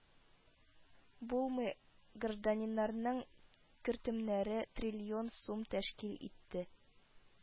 Булмый: гражданнарның кертемнәре триллион сум тәшкил итте